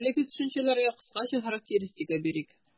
Әлеге төшенчәләргә кыскача характеристика бирик.